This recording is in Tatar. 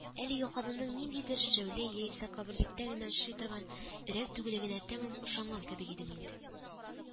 Әлеге ханымның ниндидер шәүлә яисә каберлектә генә очрый торган өрәк түгеллегенә тәмам ышанган кебек идем инде